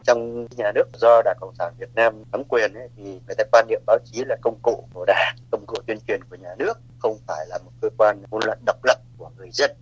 trong nhà nước do đảng cộng sản việt nam thẩm quyền ấy thì người ta quan niệm báo chí là công cụ của đảng công cụ tuyên truyền của nhà nước không phải là một cơ quan ngôn luận độc lập của người dân